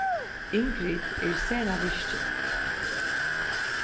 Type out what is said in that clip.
ingrid er sera virkin